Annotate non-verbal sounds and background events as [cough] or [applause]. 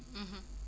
[hesitation] [hesitation]